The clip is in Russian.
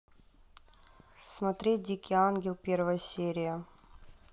смотреть дикий ангел первая серия